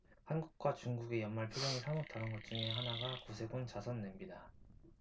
한국과 중국의 연말 표정이 사뭇 다른 것 중의 하나가구세군 자선냄비다